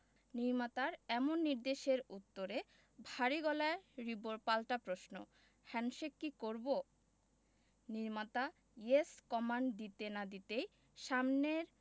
নির্মাতার এমন নির্দেশের উত্তরে ভারী গলায় রিবোর পাল্টা প্রশ্ন হ্যান্ডশেক কি করবো নির্মাতা ইয়েস কমান্ড দিতে না দিতেই সামনের